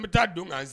N bɛ taa don ka n